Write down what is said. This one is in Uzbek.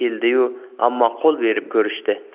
yoyib keldi yu ammo qo'l berib ko'rishdi